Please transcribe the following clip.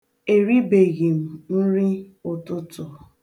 Eribeghi m nriụtụtụ.